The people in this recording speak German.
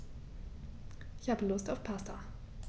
Ich habe Lust auf Pasta.